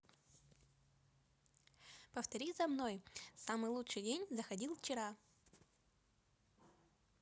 повтори за мной самый лучший день заходил вчера